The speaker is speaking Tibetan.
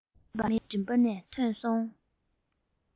མེད པར མགྲིན པ ནས ཐོན སོང